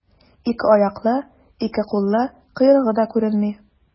Ике аяклы, ике куллы, койрыгы да күренми.